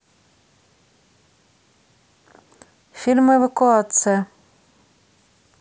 фильм эвакуация